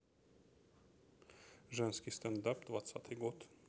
женский стендап двадцатый год